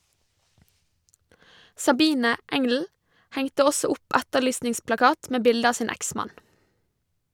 Sabine Engl hengte også opp etterlysningsplakat med bilde av sin eksmann.